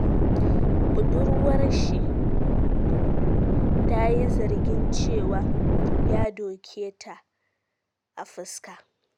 Budurwar shi ta yi zargin cewa ya doke ta a fuska.